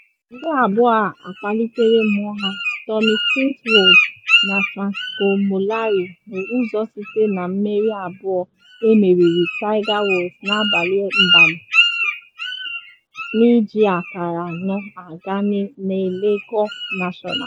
Ndị abụọ a akpalitere mmụọ ha, Tommy Fleetwood na Francesco Molinari bu ụzọ site na mmeri abụọ emeriri Tiger Woods n’agbalị mgbalị, n’iji akara anọ aga na Le Golf National.